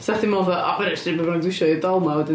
'Sech chdi'n meddwl wna i wneud be bynnag dwi isio i'r dol 'ma a wedyn